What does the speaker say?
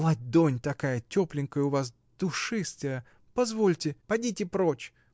— Ладонь такая тепленькая у вас, душистая, позвольте. — Подите прочь!